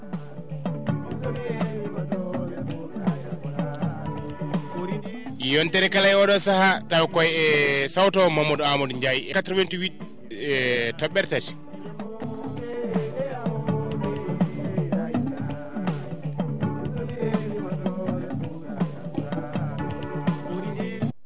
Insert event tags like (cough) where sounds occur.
yewtetre kala e oɗo sahaa taw koye e sawto Mamadou Amadou Ndiaye 88 e tobɓere tati (music)